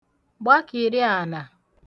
gbakìri ànà